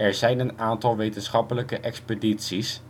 zijn een aantal wetenschappelijke expedities